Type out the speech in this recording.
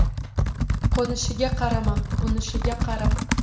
qo'nishiga qarama unishiga qara